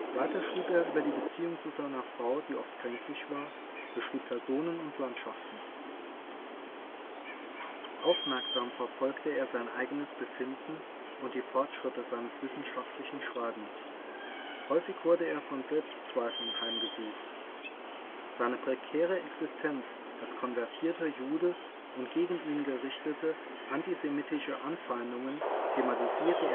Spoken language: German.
Weiter schrieb er über die Beziehung zu seiner Frau, die oft kränklich war, beschrieb Personen und Landschaften. Aufmerksam verfolgte er sein eigenes Befinden und die Fortschritte seines wissenschaftlichen Schreibens. Häufig wurde er von Selbstzweifeln heimgesucht. Seine prekäre Existenz als konvertierter Jude und gegen ihn gerichtete antisemitische Anfeindungen thematisierte